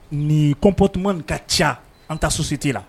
Ni kɔnptuma ka ca an ta sosi tɛ la